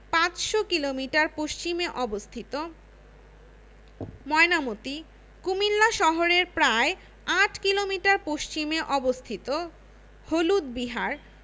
৫০০ metre পশ্চিমে অবস্থিত ময়নামতি কুমিল্লা শহরের প্রায় ৮ কিলোমিটার পশ্চিমে অবস্থিত হলুদ বিহার